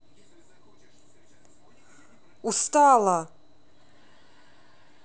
устала